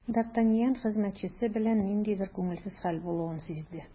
Д’Артаньян хезмәтчесе белән ниндидер күңелсез хәл булуын сизде.